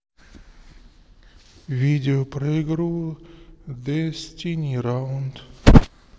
видео про игру дестини раунд